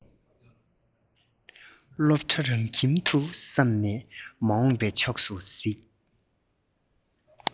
སློབ གྲྭ རང ཁྱིམ དུ བསམ ནས མ འོངས པའི ཕྱོགས སུ གཟིགས